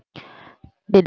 để